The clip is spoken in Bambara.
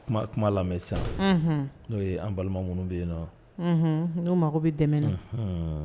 Kuma lamɛn sisan, unhu, n'o ye an balima minnu bɛ yen nɔ, unhun, n' u mago bɛ dɛmɛ na.